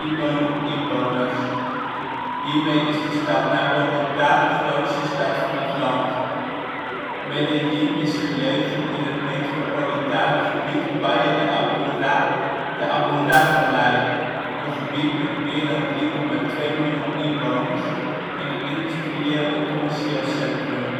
miljoen inwoners. Hiermee is de stad na Bogota de grootste stad van het land. Medellín is gelegen in het metropolitane gebied Valle de Aburrá (Aburra vallei), een gebied met meer dan 3,2 miljoen inwoners en een industrieel en commercieel centrum